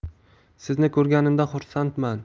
sizni ko'rganimdan xursandman